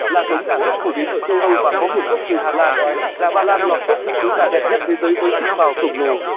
là giống gà rất phổ biến ở châu âu và có nguồn gốc từ hà lan gà ba lan lọt top những chú gà đẹp nhất thế giới với chiếc mào khổng lồ